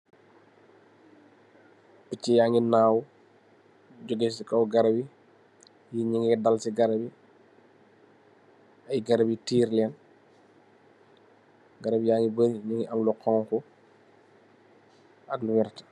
Pichi yangi nëw ju gaye ci kaw garab yi, ny nungi Dal ci garab yi. Ay garab yu tèl leen, garab ya ngi bari nungi am lu honku ak vert.